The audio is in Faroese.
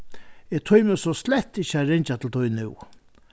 eg tími so slett ikki at ringja til tín nú